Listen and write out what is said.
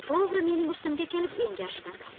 to'g'ri mening ustimga kelib engashdi